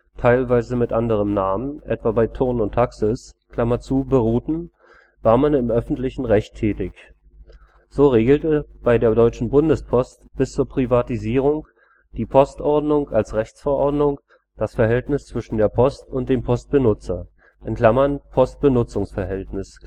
teilweise mit anderen Namen, etwa bei Thurn und Taxis) beruhten, war man im öffentlichen Recht tätig. So regelte bei der Deutschen Bundespost bis zur Privatisierung die Postordnung als Rechtsverordnung das Verhältnis zwischen der Post und dem Postbenutzer („ Postbenutzungsverhältnis